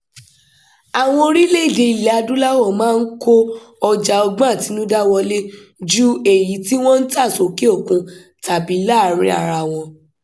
Àwọn orílẹ̀-èdè Ilẹ̀-Adúláwọ̀ máa ń kó ọjà ọgbọ́n àtinudá wọlé ju èyí tí wọ́n tà sókè òkun tàbí láàárin ara wọn.